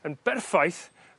yn berffaith